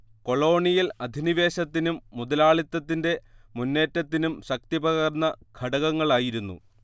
colonial അധിനിവേശത്തിനും മുതലാളിത്തത്തിന്റെ മുന്നേറ്റത്തിനും ശക്തി പകർന്ന ഘടകങ്ങളായിരുന്നു